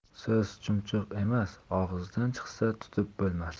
so'z chumchuq emas og'izdan chiqsa tutib bo'lmas